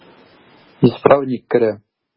Исправник керә.